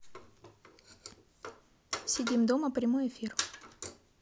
сидим дома прямой эфир